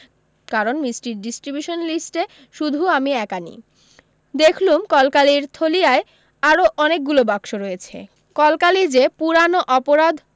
কারণ মিষ্টির ডিস্ট্রিবিউশন লিষ্টে শুধু আমি একা নি দেখলুম কলকালির থলিয়ায় আরো অনেকগুলো বাক্স রয়েছে কলকালি যে পুরানো অপরাধ